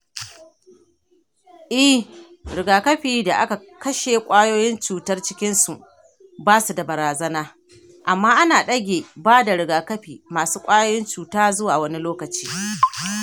eh, rigakafin da aka kashe ƙwayoyin cutar cikinsu ba su da barazana. amma ana ɗage ba da rigakafi masu ƙwayoyin cuta zuwa wani lokaci.